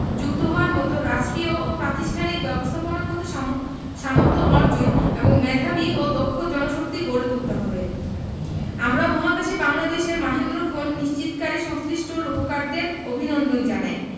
যুক্ত হওয়ার মতো রাষ্ট্রীয় ও প্রাতিষ্ঠানিক ব্যবস্থাপনাগত সামর্থ্য অর্জন এবং মেধাবী ও দক্ষ জনশক্তি গড়ে তুলতে হবে আমরা মহাকাশে বাংলাদেশের মাহেন্দ্রক্ষণ নিশ্চিতকারী সংশ্লিষ্ট রূপকারদের অভিনন্দন জানাই